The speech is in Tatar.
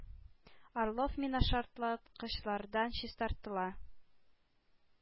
Орлов минашартлаткычлардан чистартыла.